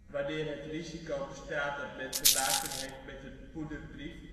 Wanneer het risico bestaat dat men te maken heeft met een poederbrief